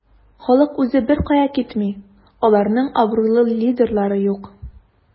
Халык үзе беркая китми, аларның абруйлы лидерлары юк.